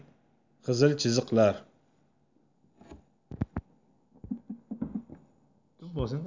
qizil chiziqlar